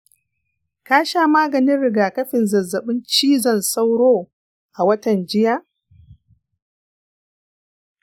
ka sha maganin rigakafin zazzabin cizon sauro a watan jiya?